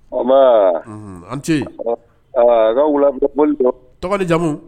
Nba an ce ka wula tɔgɔ jamumu